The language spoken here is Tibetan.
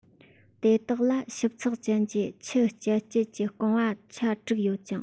དེ དག ལ ཞིབ ཚགས ཅན གྱི ཆུ རྐྱལ སྤྱད ཀྱི རྐང བ ཆ དྲུག ཡོད ཅིང